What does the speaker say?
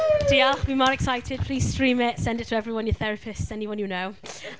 Diolch, dwi mor excited. Please stream it, send it to everyone, your therapists, anyone you know.